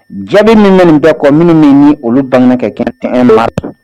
Jaabi min bɛ nin bɛ kɔ minnu min ni olu bangekɛ kɛ nt la